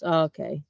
O ok.